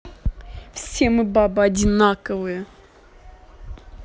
все мы бабы одинаковые